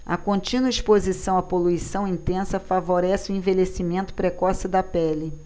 a contínua exposição à poluição intensa favorece o envelhecimento precoce da pele